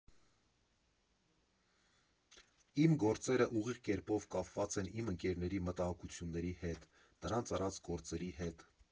Իմ գործերը ուղիղ կերպով կապված են իմ ընկերների մտահոգությունների հետ, նրանց արած գործերի հետ։